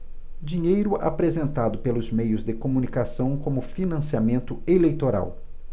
dinheiro apresentado pelos meios de comunicação como financiamento eleitoral